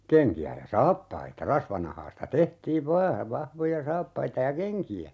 kenkiä ja saappaita rasvanahasta tehtiin vain vahvoja saappaita ja kenkiä